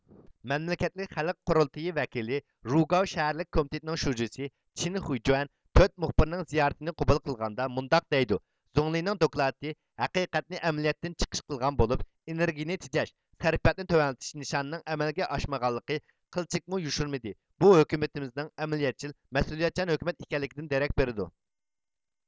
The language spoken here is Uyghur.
مەملىكەتلىك خەلق قۇرۇلتىيى ۋەكىلى رۇگاۋ شەھەرلىك كومىتېتنىڭ شۇجىسى چېنخۈيجۆەن تۆت مۇخبىرنىڭ زىيارىتىنى قوبۇل قىلغاندا مۇنداق دەيدۇ زۇڭلىنىڭ دوكلاتى ھەقىقەتنى ئەمەلىيەتتىن چىقىش قىلغان بولۇپ ئېنېرگىيىنى تېجەش سەرپىياتنى تۆۋەنلىتىش نىشانىنىڭ ئەمەلگە ئاشمىغانلىقىنى قىلچىلىكمۇ يوشۇرمىدى بۇ ھۆكۈمىتىمىزنىڭ ئەمەلىيەتچىل مەسئۇلىيەتچان ھۆكۈمەت ئىكەنلىكىدىن دېرەك بېرىدۇ